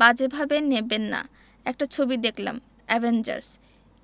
বাজে ভাবে নেবেন না একটা ছবি দেখতে গেলাম অ্যাভেঞ্জার্স...